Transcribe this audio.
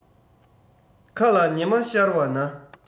མཁའ ལ ཉི མ ཤར བ ན